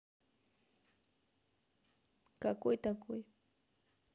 какой такой